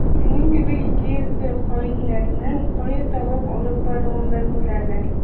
Синең кебек икейөзле хаиннәрнең кая таба алып баруын да күрәләр.